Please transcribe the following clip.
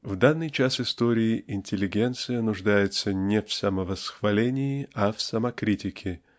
В данный час истории интеллигенция нуждается не в самовосхвалении а в самокритике.